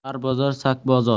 sarbozor sakbozor